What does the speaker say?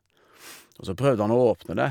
Og så prøvde han å åpne det.